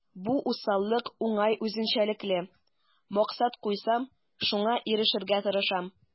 Бу усаллык уңай үзенчәлекле: максат куйсам, шуңа ирешергә тырышам.